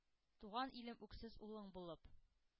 Туган илем, үксез улың булып,